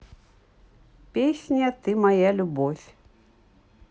песня ты моя любовь